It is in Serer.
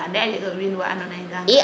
nda anda ye a jega win wa ando naye